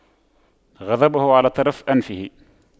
غضبه على طرف أنفه